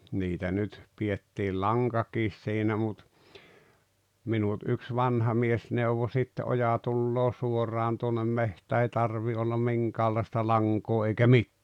niitä nyt pidettiin lankakin siinä mutta minut yksi vanha mies neuvoi sitten - oja tulee suoraan tuonne metsään ei tarvitse olla minkäänlaista lankaa eikä mitään